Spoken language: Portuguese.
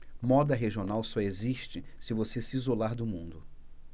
moda regional só existe se você se isolar do mundo